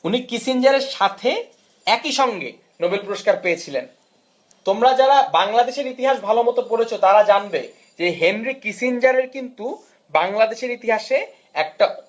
উনাকে Henry Kissinger এর সাথে একই সঙ্গে নোবেল পুরস্কার পেয়েছিলেন তোমরা যারা বাংলাদেশের ইতিহাস ভালোমতো পড়েছ তারা জানবে যে হেনরি কিসিঞ্জারের কিন্তু বাংলাদেশের ইতিহাসে একটা